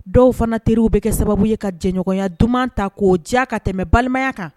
Dɔw fana terieliw bɛ kɛ sababu ye ka jɛɲɔgɔnya duman ta k'o diya ka tɛmɛ balimaya kan